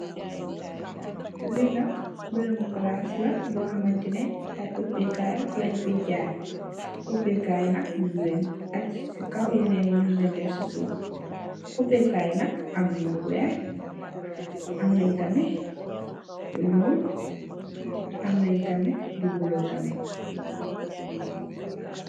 Lenak meeremu palas la bo xamantina ayi oppeh kay rek lan fey jaayi oppeh kay yi nak nu leen hach ci kaw yeen ngileen deff ci soff oppeh kay nak am neen lo weex am neen tarmit lo nuul am neen tarmit lo bulu.